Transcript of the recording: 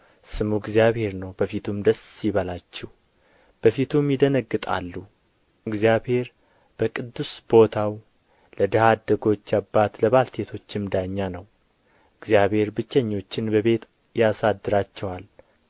ስሙ እግዚአብሔር ነው በፊቱም ደስ ይበላችሁ በፊቱም ይደነግጣሉ እግዚአብሔር በቅዱስ ቦታው ለድሀ አደጎች አባት ለባልቴቶችም ዳኛ ነው እግዚአብሔር ብቸኞችን በቤት ያሳድራቸዋል